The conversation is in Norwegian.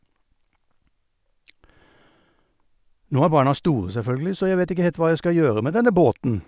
Nå er barna store, selvfølgelig, så jeg vet ikke helt hva jeg skal gjøre med denne båten.